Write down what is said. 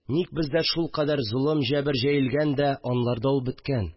Ник бездә шулкадәр золым, җәбер җәелгән дә, анларда ул беткән